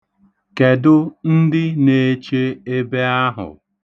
Kedụ ndị na-eche ebe ahụ?